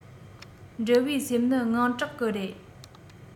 འགྲུལ པའི སེམས ནི དངངས སྐྲག གི རེད